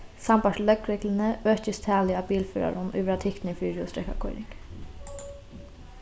sambært løgregluni økist talið á bilførarum ið verða tiknir fyri rúsdrekkakoyring